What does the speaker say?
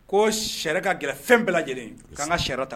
Ko sɛ ka gɛrɛ fɛn bɛɛ lajɛlen k'an ka si ta